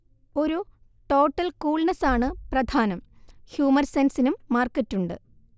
ഒരു ടോട്ടൽ കൂൾനെസ്സാണ് പ്രധാനം ഹ്യുമർെസൻസിനും മാർക്കറ്റുണ്ട്